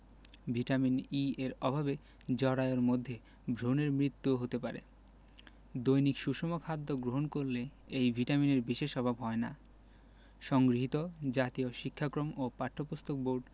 vitamin E এর অভাবে জরায়ুর মধ্যে ভ্রুনের মৃত্যুও হতে পারে দৈনিক সুষম খাদ্য গ্রহণ করলে এই ভিটামিনের বিশেষ অভাব হয় না সংগৃহীত জাতীয় শিক্ষাক্রম ও পাঠ্যপুস্তক বোর্ড